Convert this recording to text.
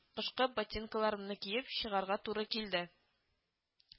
Кышкы ботинкаларымны киеп чыгарга туры килде”